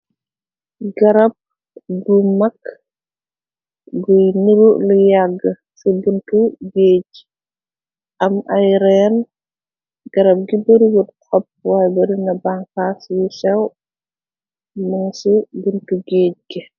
Garab bu mag guy niru lu yàgg ci buntu géej gi am ay reen garab gi bari wur xob waay bari na banxa ciyu sew mun ci buntu géej ge.